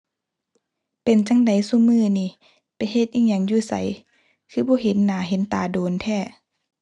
เป็นจั่งใดซุมื้อนี้ ไปเฮ็ดอิหยังอยู่ไส คือบ่เห็นหน้าเห็นตาโดนแท้